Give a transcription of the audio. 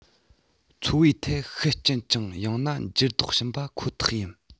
འཚོ བའི ཐད ཤུགས རྐྱེན ཅུང ཡང ན འགྱུར ལྡོག བྱིན པ ཁོ ཐག ཡིན